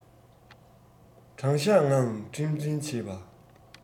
དྲང གཞག ངང ཁྲིམས འཛིན བྱེད པ